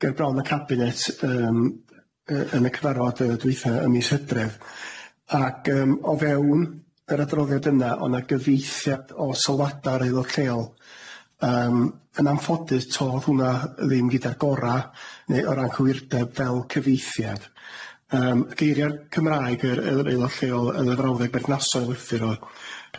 ger bron y Cabinet yym yy yn y cyfarfod yy dwytha ym mis Hydref ac yym o fewn yr adroddiad yna o'na gyfieithiad o sylwada'r Aelod Lleol, yym yn anffodus to o'dd hwnna ddim gyda'r gora' neu o ran cywirdeb fel cyfieithiad yym geiria Cymraeg yr yy yr Aelod Lleol yn y frawddeg berthnasol wrthym o'dd,